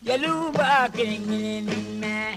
Jeliw b'a kɛ kelen ma